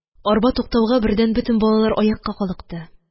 Арба туктауга, бердән бөтен балалар аякка калыкты.